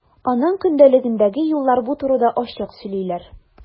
Аның көндәлегендәге юллар бу турыда ачык сөйлиләр.